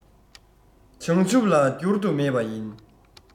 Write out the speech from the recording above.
བྱང ཆུབ ལ འགྱུར དུ མེད པ ཡིན